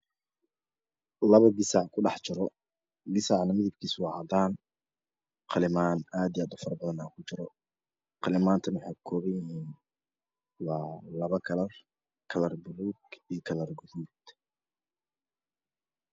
Laba gasac ku dhexjiro gesacna midabkisa waa cadaan qalimaan aad itara badanaa kujiro qalimaantana waxay ka koobanyihiin waa laba kalar kalar buluug iyo kalar guduud